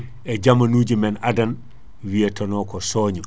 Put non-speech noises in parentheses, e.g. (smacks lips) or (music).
e jaamanuji men adana wiyeteno ko soño (smacks lips)